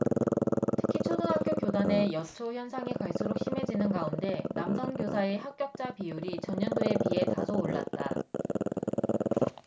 특히 초등학교 교단의 여초 현상이 갈수록 심해지는 가운데 남성 교사의 합격자 비율이 전년도에 비해 다소 올랐다